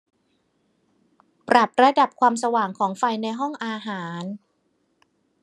ปรับระดับความสว่างของไฟในห้องอาหาร